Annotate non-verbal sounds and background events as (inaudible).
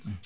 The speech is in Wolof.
(hesitation) (hesitation)